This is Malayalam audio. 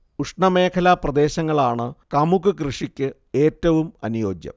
ഉഷ്ണമേഖലാപ്രദേശങ്ങളാണ് കമുക് കൃഷിക്ക് ഏറ്റവും അനുയോജ്യം